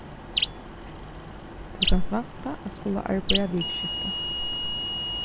tú kanst vænta at skula arbeiða vikuskifti